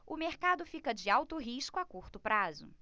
o mercado fica de alto risco a curto prazo